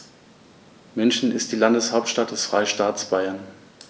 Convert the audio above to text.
München ist die Landeshauptstadt des Freistaates Bayern.